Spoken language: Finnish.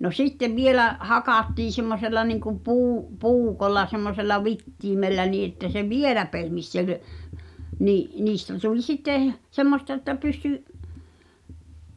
no sitten vielä hakattiin semmoisella niin kuin - puukolla semmoisella vitimellä niin että se vielä pehmisi sen niin niistä tuli sitten semmoista että pystyi